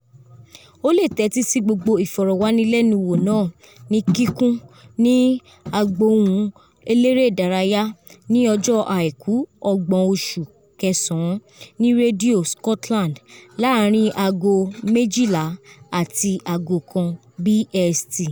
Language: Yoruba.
O lè tẹ́tì sí gbogbo ìfọ̀rọ̀wanilẹ́nuwò náà ní kíkún ní Sportsound ní ọjọ́ àìkù, 30 oṣù kẹsàn-án ni Rédíò Scotland láàárin ago 12:00 àti 13:00 BST